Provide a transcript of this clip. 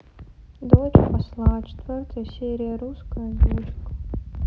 дочь посла четвертая серия русская озвучка